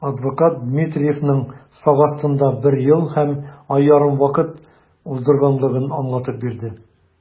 Адвокат Дмитриевның сак астында бер ел һәм ай ярым вакыт уздырганлыгын аңлатып бирде.